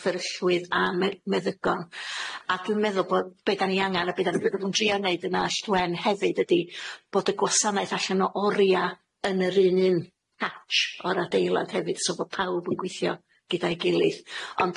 fferyllwyr a me- meddygon a dwi'n meddwl bo' be da ni angan a be da ni'n trio neud yn Allt Wen hefyd ydi bod y gwasanaeth allan o oria yn yr un hatch o'r adeilad hefyd so bo' pawb yn gweithio gyda'i gilydd ond